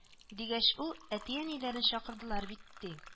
Дигәч ул: әти-әниләрен чакырдылар бит , ди